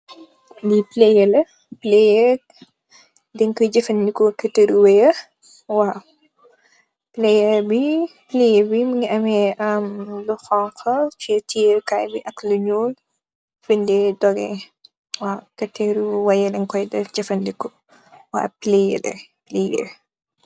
Li playe la playe den koi jefendeko keteruwe waw playe bi playe bi mogi ameh am lu xonxa si tiyeh kai bi ak lu nuul fung deh dogeh waw keteruwe deng koi jefandeko waw playe bi playe.